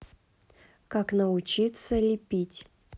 как научиться лепить